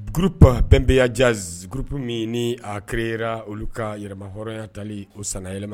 Gurp bɛnbe'a jaziurp min ni a kiera olu ka yɛlɛmama hɔrɔnya tali o sanyɛlɛma